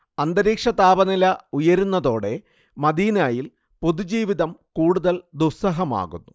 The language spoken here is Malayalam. അന്തരീക്ഷതാപനില ഉയരുന്നതോടെ മദീനയിൽ പൊതുജീവിതം കുടുതൽ ദുസ്സഹമാകുന്നു